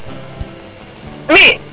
mi